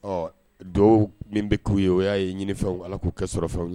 Ɔ dugawu min bɛ k'u ye o y'a ye ɲini fɛnw allah k'u kɛsɔrɔ fɛnw ye.